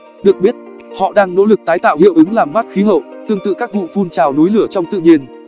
được biết họ đang nỗ lực tái tạo hiệu ứng làm mát khí hậu tương tự các vụ phun trào núi lửa trong tự nhiên